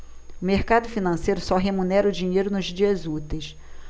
o mercado financeiro só remunera o dinheiro nos dias úteis